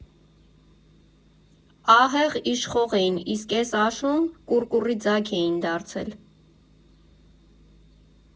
Ահեղ իշխող էին, իսկ էս աշուն կուռկուռի ձագ էին դարձել.